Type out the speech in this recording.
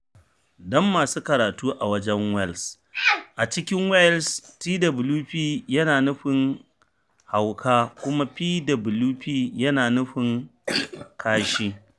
Don masu karatu a wajen Wales: A cikin Welsh twp yana nufin hauka kuma pwp yana nufin kashi.